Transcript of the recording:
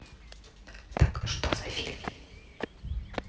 так что за фильм